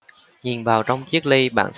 nhìn vào trong chiếc ly bạn